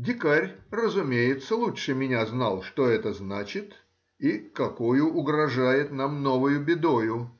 Дикарь, разумеется, лучше меня знал, что это значит и какою угрожает нам новою бедою,